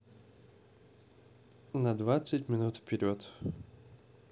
на двадцать минут вперед